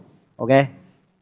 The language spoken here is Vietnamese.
ô kê